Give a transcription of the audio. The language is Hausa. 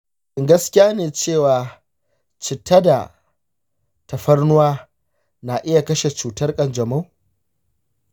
shin gaskiya ne cewa citta da tafarnuwa na iya kashe cutar kanjamau?